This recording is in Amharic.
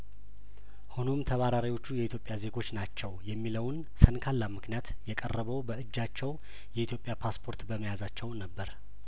ሆኖም ተባራሪዎቹ የኢትዮጵያ ዜጐች ናቸው የሚለውን ሰንካላምክንያት የቀረበው በእጃቸው የኢትዮጵያ ፓስፖርት በመያዛቸው ነበር